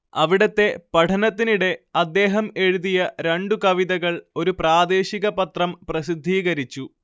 അവിടുത്തെ പഠനത്തിനിടെ അദ്ദേഹം എഴുതിയ രണ്ടു കവിതകൾ ഒരു പ്രാദേശിക പത്രം പ്രസിദ്ധീകരിച്ചു